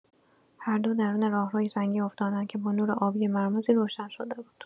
هر دو درون راهرویی سنگی افتادند که با نور آبی مرموزی روشن شده بود.